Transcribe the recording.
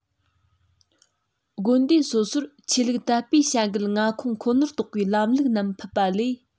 དགོན སྡེ སོ སོར ཆོས ལུགས དད པའི བྱ འགུལ མངའ ཁོངས ཁོ ནར གཏོགས པའི ལམ ལུགས རྣམས ཕུད པ ལས